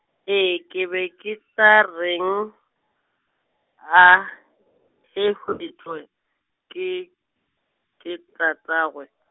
ee ke be ke tla reng, a, ke, ke tatagwe?